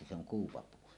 jotta se on kuupapuu